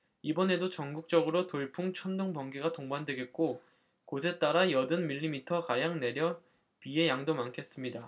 이번에도 전국적으로 돌풍 천둥 번개가 동반되겠고 곳에 따라 여든 밀리미터 가량 내려 비의 양도 많겠습니다